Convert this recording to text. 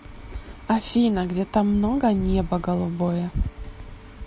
афина где то много небо голубое